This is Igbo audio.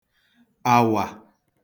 awà